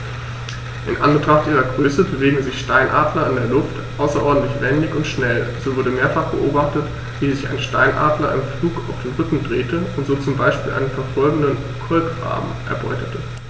In Anbetracht ihrer Größe bewegen sich Steinadler in der Luft außerordentlich wendig und schnell, so wurde mehrfach beobachtet, wie sich ein Steinadler im Flug auf den Rücken drehte und so zum Beispiel einen verfolgenden Kolkraben erbeutete.